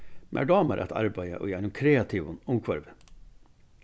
mær dámar at arbeiða í einum kreativum umhvørvi